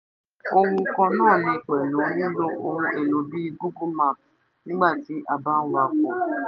Ohun kan náà ni pẹ̀lú lílo ohun èlò bíi Google Maps nígbà tí a bá ń wakọ̀.